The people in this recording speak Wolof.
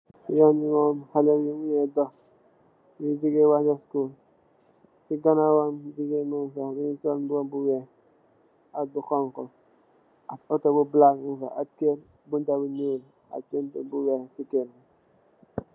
Yuun bi mom xale mogeh dox mogi goge wacha school si ganawam jigeen mung fa mogi sol mbuba bu weex ak lu xonxu ak auto bu black mung fa ak keur bunta bu nuul ak painturr bu weex si keur.